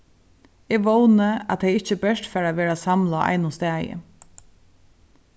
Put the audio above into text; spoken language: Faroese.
eg vóni at tey ikki bert fara at verða samlað á einum staði